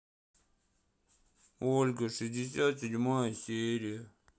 ольга шестьдесят седьмая серия